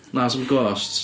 Na 'sna'm ghosts.